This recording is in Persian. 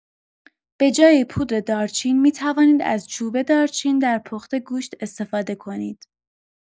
به‌جای پودر دارچین می‌توانید از چوب دارچین در پخت گوشت استفاده کنید.